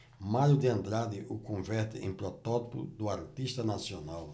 mário de andrade o converte em protótipo do artista nacional